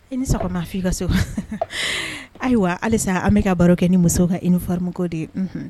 I ni sɔgɔma f' i ka so ayiwa halisa an bɛka ka baro kɛ ni muso ka i nifam de ye